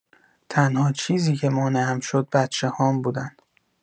تنها چیزی که مانعم شد بچه‌هام بودن.